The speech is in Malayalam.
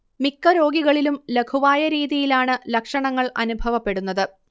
മിക്ക രോഗികളിലും ലഘുവായ രീതിയിലാണ് ലക്ഷണങ്ങൾ അനുഭവപ്പെടുന്നത്